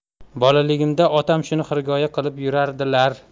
bolaligimda otam shuni xirgoyi qilib yurardilar